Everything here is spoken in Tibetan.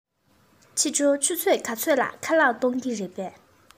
ཕྱི དྲོ ཆུ ཚོད ག ཚོད ལ ཁ ལག གཏོང གི རེད པས